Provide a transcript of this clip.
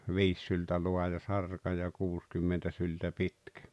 viisi syltä laaja sarka ja kuusikymmentä syltä pitkä